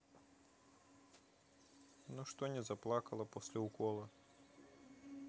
ну что не заплакала после укола